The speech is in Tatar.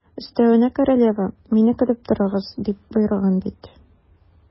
Өстәвенә, королева: «Мине көтеп торыгыз», - дип боерган бит.